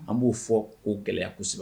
An b'o fɔ ko gɛlɛyaya kosɛbɛ